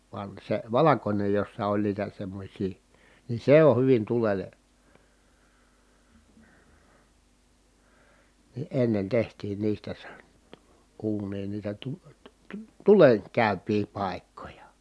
vaan se valkoinen jossa oli niitä semmoisia niin se on hyvin tulelle niin ennen tehtiin niistä se uuniin niitä ---- tulenkäypiä paikkoja